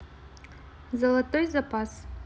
золотой запас